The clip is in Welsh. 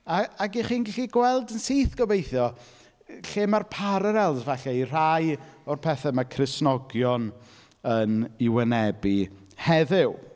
A ac y'ch chi'n gallu gweld yn syth, gobeithio, lle mae'r parallels, falle, i rhai o'r pethe ma' Cristnogion yn eu wynebu heddiw.